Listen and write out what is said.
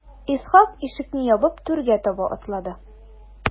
Исхак ишекне ябып түргә таба атлады.